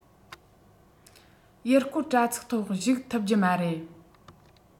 ཡུལ སྐོར དྲ ཚིགས ཐོག ཞུགས ཐུབ རྒྱུ མ རེད